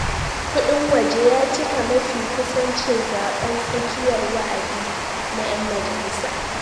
Kuɗin waje ya cika mafi kusancin zaben tsakiyar wa’adi na ‘yan majalisa